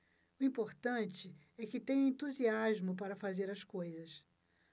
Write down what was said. o importante é que tenho entusiasmo para fazer as coisas